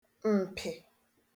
mpị̀